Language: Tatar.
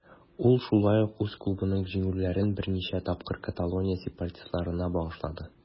Ул шулай ук үз клубының җиңүләрен берничә тапкыр Каталония сепаратистларына багышлады.